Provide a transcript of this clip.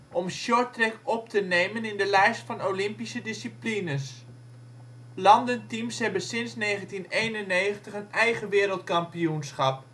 om shorttrack op te nemen in de lijst van Olympische disciplines. Landenteams hebben sinds 1991 een eigen wereldkampioenschap